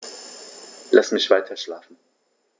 Lass mich weiterschlafen.